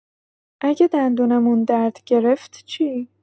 اگه دندونمون درد گرفت چی؟